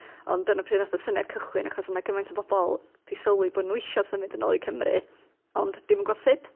Ond dyna pryd wnaeth y syniad cychwyn, achos oedd 'na cymaint o bobl 'di sylwi bo' nhw isio symud yn ôl i Cymru, ond dim yn gwbod sut.